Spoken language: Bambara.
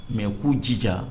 Mais u k'u jija